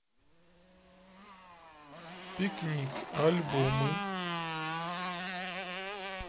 пикник альбомы